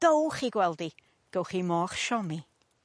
dowch i gweld 'i, gowch chi mo'ch siomi.